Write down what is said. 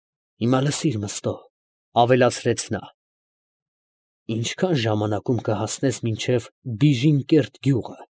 Հիմա լսի՛ր, Մըստո, ֊ ավելացրեց նա. ֊ ի՞նչքան ժամանակում կհասնես մինչև Բիժինկերտ գյուղը։